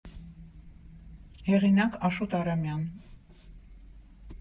Հեղինակ՝ Աշոտ Արամյան։